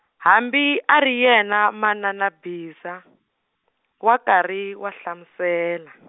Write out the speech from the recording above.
hambi a ri yena manana Mbhiza, wa karhi wa hlamusela.